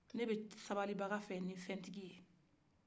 ne bɛ sabali baga fɛ ni fɛn tigi ye